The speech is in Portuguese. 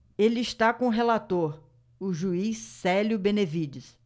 ele está com o relator o juiz célio benevides